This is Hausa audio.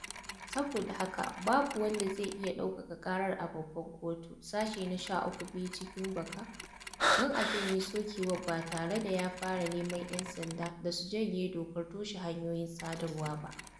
Saboda haka, "babu wanda zai iya ɗaukaka ƙara a babbar kotu" [sashe na 13(2)]don a janye sokewar ba tare da ya fara neman 'yan sanda da su janye dokar toshe hanyoyin sadarwar ba.